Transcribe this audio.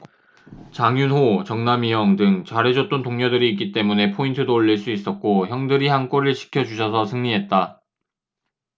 장윤호 정남이형 등 잘해줬던 동료들이 있기 때문에 포인트도 올릴 수 있었고 형들이 한골을 지켜주셔서 승리했다